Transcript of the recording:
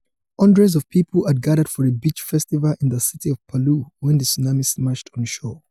Hundreds of people had gathered for a beach festival in the city of Palu when the tsunami smashed on shore.